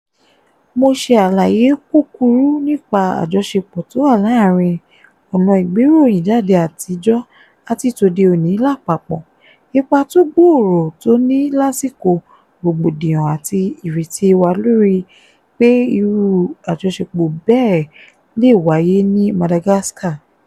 Mo ṣe àlàyé kúkurú nípa àjọṣepọ̀ tó wà láàárin ọ̀nà ìgbéròyìn jáde àtijọ́ àti tòde òní lápapọ̀, ipa tó gbóòrò tó ní lásìkò rògbòdiyàn àti ìretí wa lóri pé irú ajọṣepọ̀ bẹ́ẹ̀ lè wáye ní Madagascar.